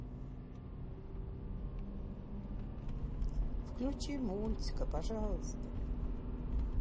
включить мультика пожалуйста